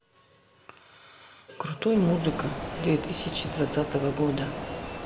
крутой музыка две тысячи двадцатого года